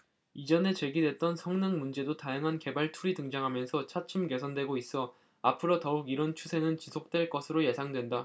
이전에 제기됐던 성능문제도 다양한 개발툴이 등장하면서 차츰 개선되고 있어 앞으로 더욱 이런 추세는 지속될 것으로 예상된다